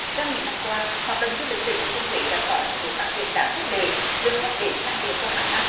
trong những năm qua hoạt động du lịch tỉnh thừa thiên huế đã có những bước phát triển đáng khích lệ lượng khách đến tăng đều qua hàng năm